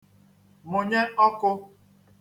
mụ̀nye ọkụ